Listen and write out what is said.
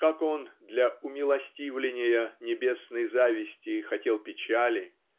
как он для умилостивления небесной зависти хотел печали